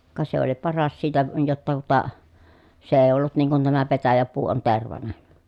ka se oli paras siitä jotta tuota se ei ollut niin kuin tämä petäjäpuu on tervainen